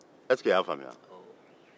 i y'a faamuya wa